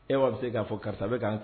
Ɛwa bi se k'a fɔ karisa bɛ kan k